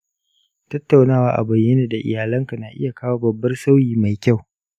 tattaunawa a bayyane da iyalanka na iya kawo babban sauyi mai kyau.